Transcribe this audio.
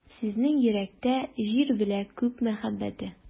Сезнең йөрәктә — Җир белә Күк мәхәббәте.